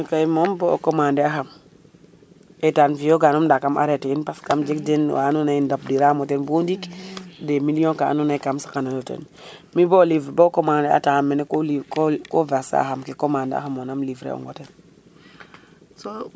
mi koy moom bo o commaander axam etan fiyo ga num nda kam arreter in parce que kam jegg ten wa ando naye ndamb dira mo ten bo ndik des millions ka ando naye kam saqanelo ten mi bo o livrer bo commander ataxam mene ko li ko verser axam commander axa mona um livrer ongo ten